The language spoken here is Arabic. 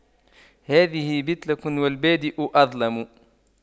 هذه بتلك والبادئ أظلم